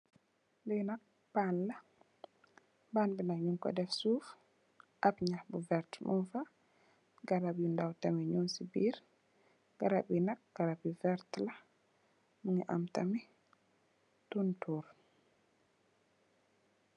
Lii nak pan la, pan bii nak njung kor deff suff, ak njahh bu vertue mung fa, garab yu ndaw tamit njung cii birr, garab yii nak garab yu vertue la, mungy am tamit tohntorre.